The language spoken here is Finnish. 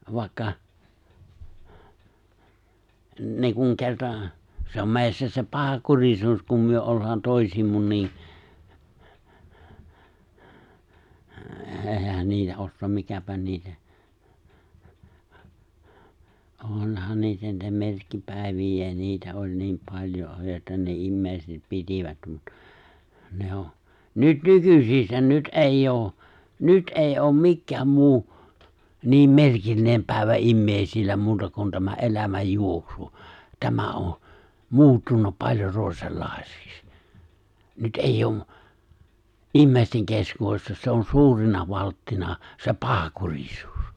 vaikka niin kuin kerta se on meissä se pahankurisuus kun me ollaan toisiimme niin eihän niitä osaa mikäpä niitä onhan niitä niitä merkkipäiviä niitä oli niin paljon joita ne ihmiset pitivät mutta ne on nyt nykyisissä nyt ei ole nyt ei ole mikään muu niin merkillinen päivä ihmisillä muuta kuin tämä elämän juoksu tämä on muuttunut paljon toisenlaiseksi nyt ei ole ihmisten keskuudessa se on suurena valttina se pahankurisuus